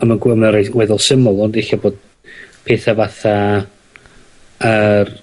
a ma' gwe- ma' rei- weddol symlond ella bod petha fatha yr